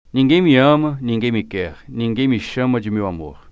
ninguém me ama ninguém me quer ninguém me chama de meu amor